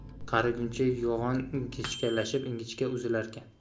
qariguncha yo'g'on ingichkalashib ingichka uzilarkan